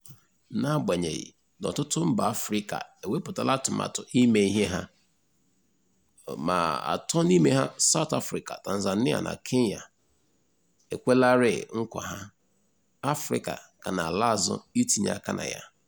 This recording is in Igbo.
N'agbanyeghị na ọtụtụ mba Afrịka ewepụtala atụmatụ ime ihe ha, ma atọ n'ime ha - South Africa, Tanzania, na Kenya - ekwelarịị nkwa ha, Afrịka ka na-ala azụ itinye aka na ya.